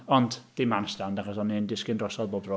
Ond dim handstand achos o'n i'n disgyn drosodd bob tro.